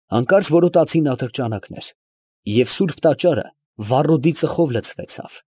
Հանկարծ որոտացին ատրճանակներ, և սուրբ տաճարը վառոդի ծխով լցվեցավ։